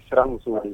Siramuso